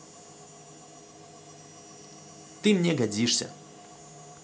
ты мне годишься